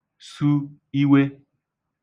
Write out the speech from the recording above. su iwe